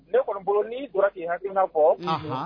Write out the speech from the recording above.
Ne kɔnibolo n'i donna k' hakiina kɔ